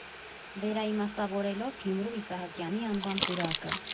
Վերաիմաստավորելով Գյումրու Իսահակյանի անվան պուրակը։